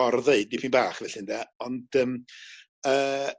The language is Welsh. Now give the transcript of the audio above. gor-ddeud dipyn bach felly ynde ond yym yy